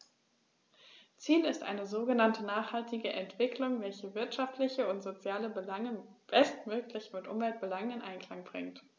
Ziel ist eine sogenannte nachhaltige Entwicklung, welche wirtschaftliche und soziale Belange bestmöglich mit Umweltbelangen in Einklang bringt.